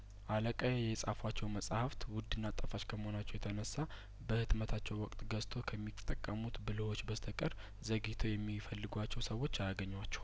አለቃ የጻፏቸው መጽሀፍት ውድና ጣፋጭ ከመሆ ናቸው የተነሳ በህትመታቸው ወቅት ገዝቶ ከሚትጠቀሙት ብልህዎች በስተቀር ዘግይተው የሚፈልጓቸው ሰዎች አያገኟቸውም